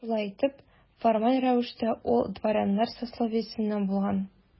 Шулай итеп, формаль рәвештә ул дворяннар сословиесеннән булган.